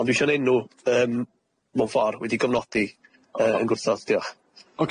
Ond dwi 'sho'n enw yym mewn ffor wedi'i gyfnodi yy yn gwrthod diolch.